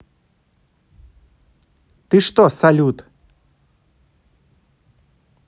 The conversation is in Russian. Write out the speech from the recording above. ты что салют